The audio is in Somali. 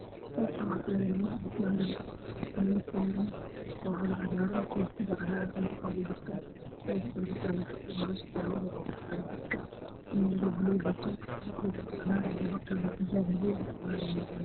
Halkaan waxaa taagan niman wataan dhar yunifoon ah oo cagaar ah waxaa ugu jirto koofi cagaaran, hoosna waxaa taalo saalada lugu qaado dadka buka, nin dhar buluug wato iyo gabar koofi cagaaran wadato.